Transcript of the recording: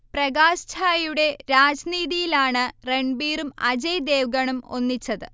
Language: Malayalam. പ്രകാശ് ഝായുടെ രാജ്നീതിയിലാണ് രൺബീറും അജയ് ദേവ്ഗണും ഒന്നിച്ചത്